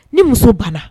Ni muso banna